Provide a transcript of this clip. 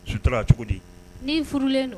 Suturara cogo di ni furulen